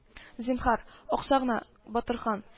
Зинһар, акча гына Батырхан